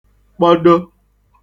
kpọdo